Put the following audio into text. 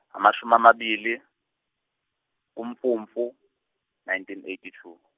amashumi amabili uMfumfu nineteen eighty two.